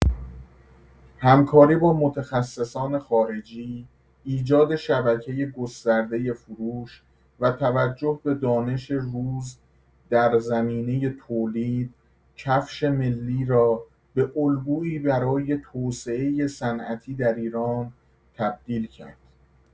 همکاری با متخصصان خارجی، ایجاد شبکه گسترده فروش و توجه به دانش روز در زمینه تولید، کفش ملی را به الگویی برای توسعه صنعتی در ایران تبدیل کرد.